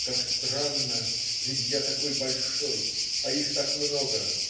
как странно, ведь я такой большой, а их так много.